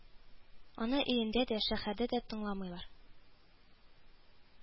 Аны өендә дә, шәһәрдә дә тыңламыйлар